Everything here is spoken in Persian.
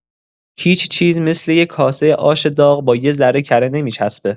هیچ‌چیز مثل یه کاسه آش داغ با یه‌ذره کره نمی‌چسبه!